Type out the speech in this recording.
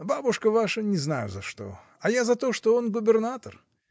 — Бабушка ваша — не знаю за что, а я за то, что он — губернатор.